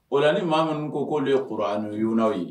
O la ni maa minnu ko k'olu ye kɔrɔ aniyunaw ye